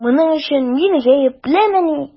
Моның өчен мин гаеплемени?